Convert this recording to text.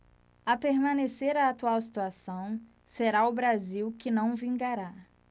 a permanecer a atual situação será o brasil que não vingará